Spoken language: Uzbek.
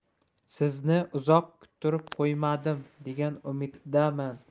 sizni uzoq kuttirib qo'ymadim degan umiddaman